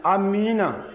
amiina